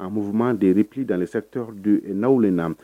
A muma derepd sa naaw na